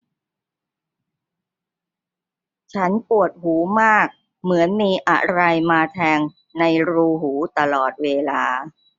ฉันปวดหูมากเหมือนมีอะไรมาแทงในรูหูตลอดเวลา